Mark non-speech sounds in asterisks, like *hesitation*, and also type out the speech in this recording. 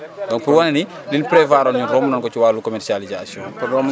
*hesitation* *hesitation* donc pour wane ni li ñu prévoir roon ñun romb nañu ko ci wàllu communercialisation *crosstalk*